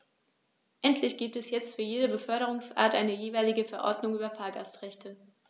Endlich gibt es jetzt für jede Beförderungsart eine jeweilige Verordnung über Fahrgastrechte.